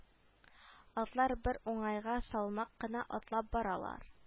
Атлар бер уңайга салмак кына атлап баралар